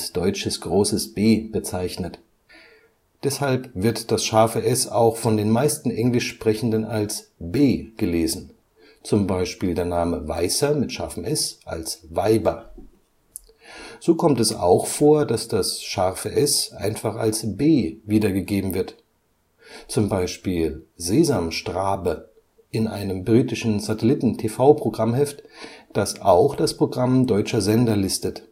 deutsches B) bezeichnet. Deshalb wird das „ ß “auch von den meisten Englischsprechenden als „ B “gelesen, z. B. der Name „ Weißer “als „ Weiber “. So kommt es auch vor, dass das „ ß “einfach als „ b “wiedergegeben wird; zum Beispiel „ Sesamstrabe “in einem britischen Satelliten-TV-Programmheft, das auch das Programm deutscher Sender listet